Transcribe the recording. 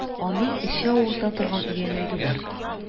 Аның эче авырта торган өянәге бар.